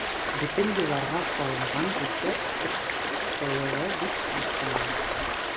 Бөтен елларга салынган бюджет кытлыгы бик зур санала.